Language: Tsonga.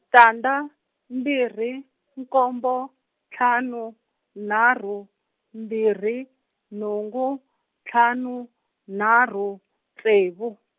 tandza mbirhi nkombo ntlhanu nharhu mbirhi nhungu ntlhanu nharhu ntsevu.